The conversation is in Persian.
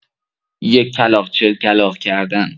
یک کلاغ چهل کلاغ کردن